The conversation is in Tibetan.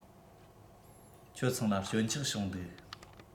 ཁྱོད ཚང ལ སྐྱོན ཆག བྱུང འདུག